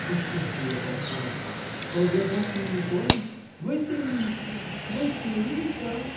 Да что это я болтаю: соловья баснями не кормят! Василиса! Василиса!